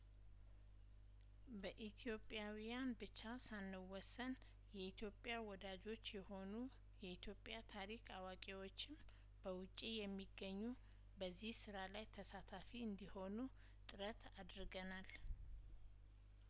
በኢትዮጵያውያን ብቻ ሳንወሰን የኢትዮጵያ ወዳጆች የሆኑ የኢትዮጵያ ታሪክ አዋቂዎችም በውጪ የሚገኙ በዚህ ስራ ላይ ተሳታፊ እንዲሆኑ ጥረት አድርገናል